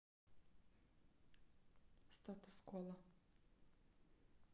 статус кола